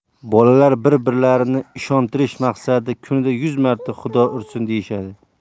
bolalar bir birlarini ishontirish maqsadida kunda yuz marta xudo ursin deyishadi